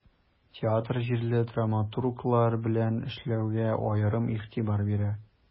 Театр җирле драматурглар белән эшләүгә аерым игътибар бирә.